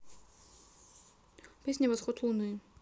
песня восход луны